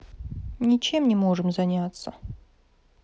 ничем не можем заняться